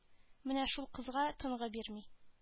Менә шул кызга тынгы бирми